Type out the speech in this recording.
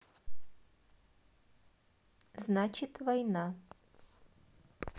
значит война